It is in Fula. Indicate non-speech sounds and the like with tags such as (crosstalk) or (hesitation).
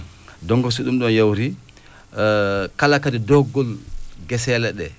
donc so ɗum ɗoon yawtii (hesitation) kala kadi dookgol geseele ɗee